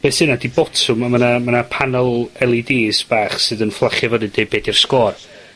be' sy 'na ydi botwm a ma' 'na ma' 'na panel Elle Eee Dees bach sydd yn fflachio fynny'n deu be' 'di'r sgôr.